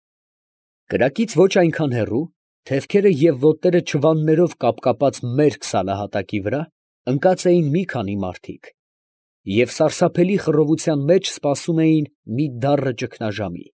Կրակից ոչ այնքան հեռու, թևքերը և ոտները չվաններով կապկապած մերկ սալահատակի վրա, ընկած էին մի քանի մարդիկ, և սարսափելի խռովության մեջ սպասում էին մի դառն ճգնաժամի։